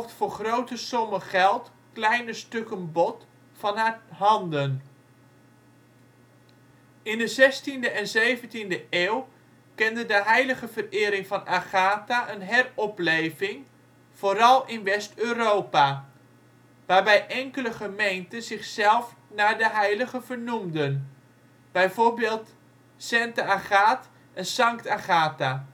voor grote sommen geld kleine stukken bot van haar handen. In de 16e en 17e eeuw kende de heiligenverering van Agatha een heropleving, vooral in West-Europa, waarbij enkele gemeenten zichzelf naar de heilige vernoemden. Bijvoorbeeld Sainte-Agathe en Sankt Agatha